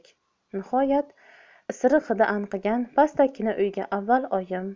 nihoyat isiriq hidi anqigan pastakkina uyga avval oyim